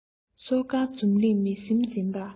སོ དཀར འཛུམ ལེགས མི སེམས འཛིན པར མཁས